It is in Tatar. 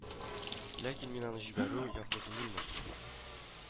Ләкин мин аны җибәрү яклы түгелмен